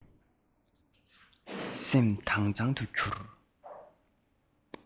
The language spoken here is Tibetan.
སེམས དྭངས གཙང དུ གྱུར